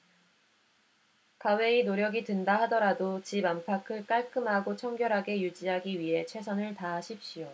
가외의 노력이 든다 하더라도 집 안팎을 깔끔하고 청결하게 유지하기 위해 최선을 다하십시오